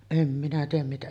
en minä tiedä mitä